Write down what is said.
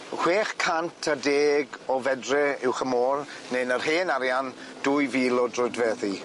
Chwech cant a deg o fedre uwch y Môn neu yn yr hen arian dwy fil o droedfeddi.